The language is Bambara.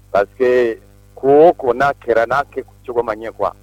Parce que ko ko n'a kɛra n'a cogo man ye kuwa